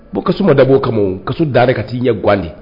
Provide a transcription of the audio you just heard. Bon kas dɔ daboo kama ka dara ka taa ii ɲɛ ganwandi